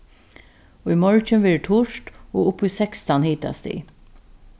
í morgin verður turt og upp í sekstan hitastig